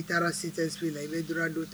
I taara si tɛ la i bɛ